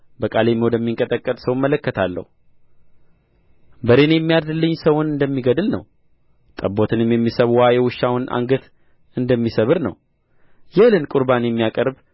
በቃሌም ወደሚንቀጠቀጥ ሰው እመለከታለሁ በሬን የሚያርድልኝ ሰውን እንደሚገድል ነው ጠቦትንም የሚሠዋ የውሻውን አንገት እንደሚሰብር ነው የእህልን ቍርባን የሚያቀርብ